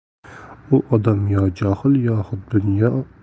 u odam yo johil yo